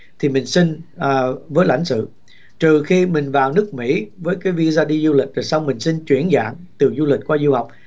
thì mình xin ở với lãnh sự trừ khi mình vào nước mỹ với cái vi da đi du lịch rồi xong mình xin chuyển giảm từ du lịch qua du học